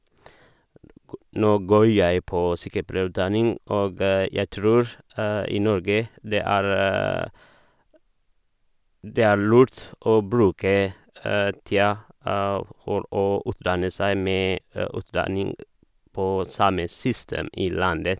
Nå går jeg på sykepleierutdanning, og jeg tror i Norge det er det er lurt å bruke tida for å utdanne seg med utdanning på samme system i landet.